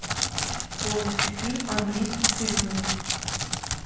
полностью фильм английский цирюльник